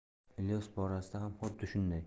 ilyos borasida ham xuddi shunday